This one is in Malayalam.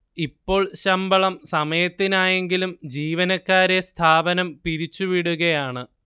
ഇപ്പോൾ ശമ്പളം സമയത്തിനായെങ്കിലും ജീവനക്കാരെ സ്ഥാപനം പിരിച്ചുവിടുകയാണ്